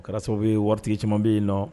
Kɛra sababu bɛ waritigi caman bɛ yen nɔ